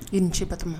I ni ce Batɔma